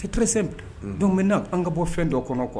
Cɛtiriresɛ donbena an ka bɔ fɛn dɔ kɔnɔ kuwa